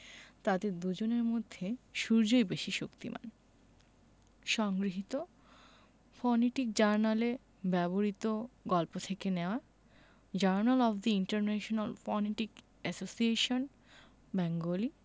তাদের দুজনের মধ্যে সূর্যই বেশি শক্তিমান সংগৃহীত ফনেটিক জার্নালে ব্যবহিত গল্প থেকে নেওয়া journal of the international phonetic association Bengali